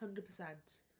100 percent.